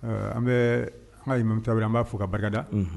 An bɛ an kamɛ ta an b'a fo ka barikada